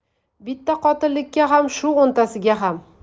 bitta qotillikka ham shu o'ntasiga ham